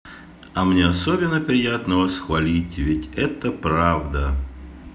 а мне особенно приятно вас хвалить ведь это правда